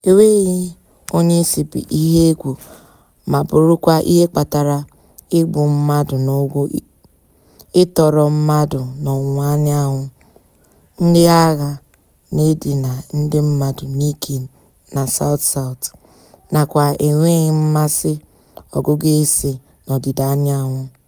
Enweghị Onyeisi bụ ihe egwù ma bụrụkwa ihe kpatara igbu mmadụ n'ugwu, ịtọrọ mmadụ n'ọwụwaanyanwụ, ndị agha na-edina ndị mmadụ n'ike na South South nakwa enweghị mmasị ọgụgụisi n'ọdịdaanyanwụ.